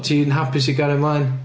Ti'n hapus i gario mlaen?